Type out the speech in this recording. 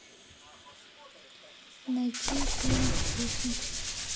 найти фильм хищник